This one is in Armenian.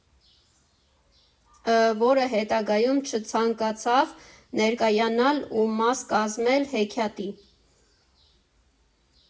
֊ը, որը հետագայում չցանկացավ ներկայանալ ու մաս կազմել հեքիաթի։